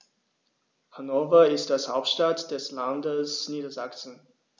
Hannover ist die Hauptstadt des Landes Niedersachsen.